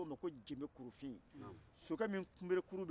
masakɛ denmuso in de tɔgɔ tun ye ko ina